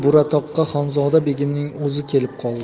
buratoqqa xonzoda begimning o'zi kelib qoldi